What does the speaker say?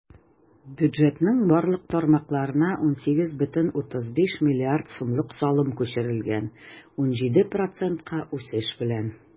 Бюджетның барлык тармакларына 18,35 млрд сумлык салым күчерелгән - 17 процентка үсеш белән.